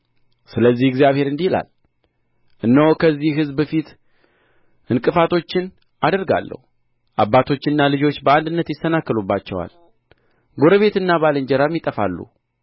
ስለዚህ እግዚአብሔር እንዲህ ይላል እነሆ ከዚህ ሕዝብ ፊት ዕንቅፋቶችን አደርጋለሁ አባቶችና ልጆች በአንድነት ይሰናከሉባቸዋል ጎረቤትና ባልንጀራም ይጠፋሉ